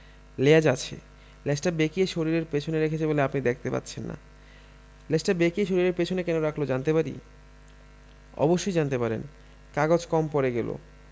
লেজ আছে লেজটা বেঁকিয়ে শরীরের পেছনে রেখেছে বলে আপনি দেখতে পাচ্ছেন না লেজটা বেঁকিয়ে শরীরের পেছনে কেন রাখল জানতে পারি অবশ্যই জানতে পারেন কাগজ কম পড়ে গেল